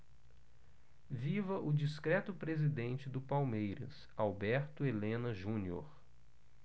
viva o discreto presidente do palmeiras alberto helena junior